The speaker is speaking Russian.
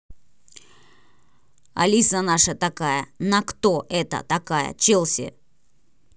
алиса наша такая на кто это такая челси